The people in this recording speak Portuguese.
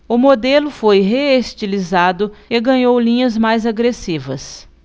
o modelo foi reestilizado e ganhou linhas mais agressivas